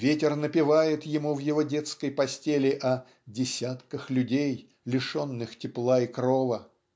Ветер напевает ему в его детской постели о "десятках людей лишенных тепла и крова"